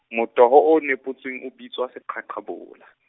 motoho o nepotsweng o bitswa seqhaqhabola .